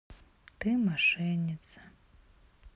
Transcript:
ты мошенница